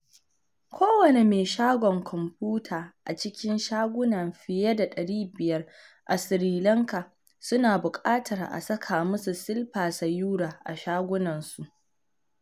Kowane mai shagon kwamfuta a cikin shaguna fiye da 500 a Sri Lanka suna buƙatar a saka musu Shilpa Sayura a shagunansu.